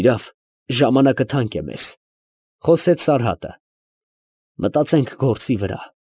Իրավ, ժամանակը թանկ է մեզ, ֊ խոսեց Սարհատը, ֊ մտածենք գործի վրա։